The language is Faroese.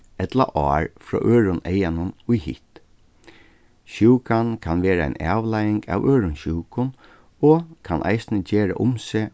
ella ár frá øðrum eyganum í hitt sjúkan kann vera ein avleiðing av øðrum sjúkum og kann eisini gera um seg